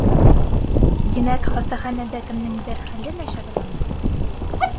Димәк, хастаханәдә кемнеңдер хәле начарланды?